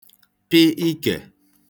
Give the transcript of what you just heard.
pị ikè